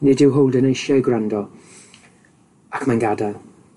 Nid yw Holden eisiau gwrando, ac mae'n gadael.